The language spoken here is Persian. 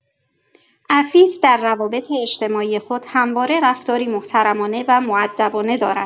عفیف در روابط اجتماعی خود همواره رفتاری محترمانه و مودبانه دارد.